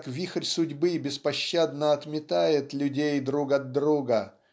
как вихрь судьбы беспощадно отметает людей друг от друга